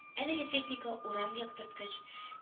Әлеге техника урам яктырткыч